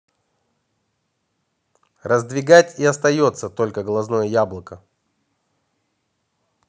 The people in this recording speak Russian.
раздвигать и остается только глазное яблоко